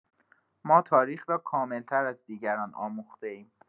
ما تاریخ را کامل‌تر از دیگران آموخته‌ایم.